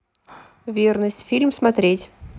верность фильм смотреть